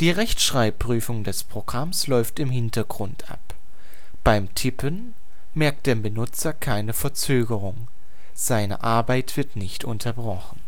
Rechtschreibprüfung des Programms läuft im Hintergrund ab. Beim Tippen merkt der Benutzer keine Verzögerung. Seine Arbeit wird nicht unterbrochen